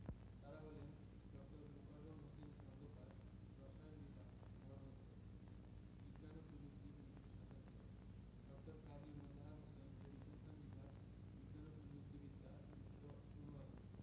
তাঁরা হলেন ড. মোকাররম হোসেন খন্দকার রসায়ন বিভাগ মরণোত্তর বিজ্ঞান ও প্রযুক্তি ১৯৭৭ ড. কাজী মোতাহার হোসেন পরিসংখ্যান বিভাগ বিজ্ঞান ও প্রযুক্তি বিদ্যা ১৯৭৯